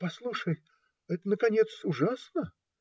- Послушай, это, наконец, ужасно!